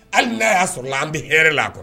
Hali n'a y'a sɔrɔ an bɛ hɛrɛ la a kuwa